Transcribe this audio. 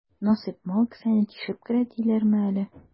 Насыйп мал кесәне тишеп керә диләрме әле?